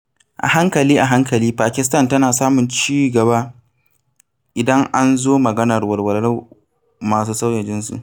A hankali a hankali, Pakistan tana samun cigaba idan an zo maganar walwalar masu sauya jinsi.